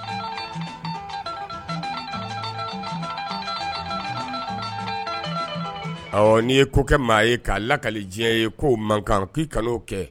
Ɔ ni ye ko kɛ maa ye k'a la kali diɲɛ ye k ko o man k i kana kɛ